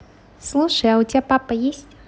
слушай а у тебя папа есть